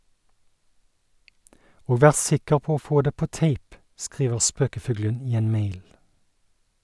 Og vær sikker på å få det på tape, skriver spøkefuglen i en mail.